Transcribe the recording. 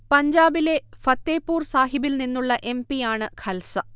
പഞ്ചാബിലെ ഫത്തേപൂർ സാഹിബിൽ നിന്നുള്ള എം. പി. യാണ് ഖൽസ